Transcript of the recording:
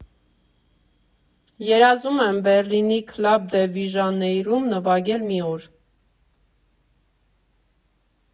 Երազում եմ Բեռլինի Քլաբ դե Վիժանեյրում նվագել մի օր։